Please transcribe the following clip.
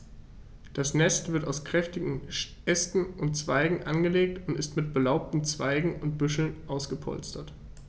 Das Nest wird aus kräftigen Ästen und Zweigen angelegt und mit belaubten Zweigen und Büscheln ausgepolstert.